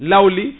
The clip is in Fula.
lawli